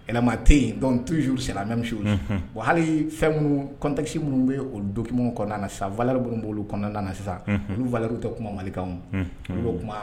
yalama tɛ yen donc, toujours c'est la meme chose bon hali fɛn minn contexte minnu bɛ olu document ninnu kɔnɔna la sisan valeur minnu bɛ olu kɔnɔna na sisan olu valeur tɛ kuma Mali kan o